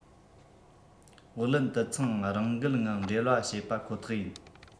བོགས ལེན དུད ཚང རང འགུལ ངང འབྲེལ བ བྱེད པ ཁོ ཐག ཡིན